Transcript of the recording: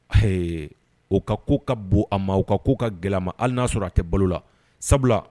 Ɛɛ u ka ko ka bon a ma u ka ko ka gɛlɛn a ma hali na ya sɔrɔ a tɛ balo la. Sabu la